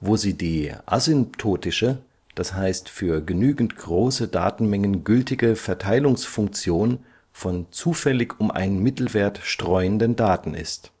wo sie die (asymptotische, das heißt für genügend große Datenmengen gültige) Verteilungsfunktion von zufällig um einen Mittelwert streuenden Daten ist